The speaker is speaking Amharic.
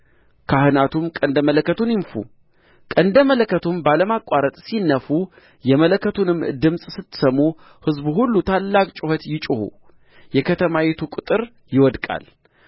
ካህናቱም ቀንደ መለከቱን ይንፉ ቀንደ መለከቱም ባለማቋረጥ ሲነፋ የመለከቱንም ድምፅ ስትሰሙ ሕዝቡ ሁሉ ታላቅ ጩኸት ይጩኹ የከተማይቱም ቅጥር ይወድቃል